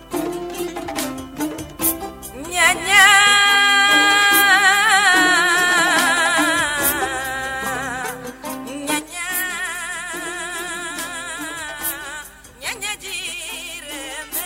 Ɲcɛtigi tile bɛ